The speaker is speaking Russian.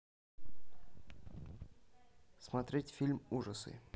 смотреть фильм ужасы